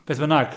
Beth bynnag.